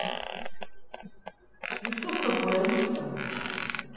ну что с тобой алиса